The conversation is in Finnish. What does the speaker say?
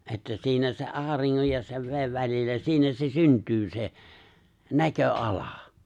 että siinä se auringon ja sen veden välillä siinä se syntyy se näköala